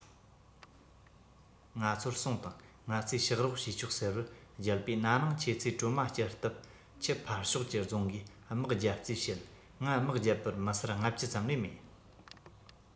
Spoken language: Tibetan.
ང ཚོར གསུངས དང ང ཚོས ཕྱག རོགས ཞུས ཆོག ཟེར བར རྒྱལ པོས ན ནིང ཁྱེད ཚོས གྲོ མ བསྐྱལ སྟབས ཆུ ཕར ཕྱོགས ཀྱི རྫོང གིས དམག བརྒྱབ རྩིས བྱེད ང དམག བརྒྱབ པར མི སེར ལྔ བཅུ ཙམ ལས མེད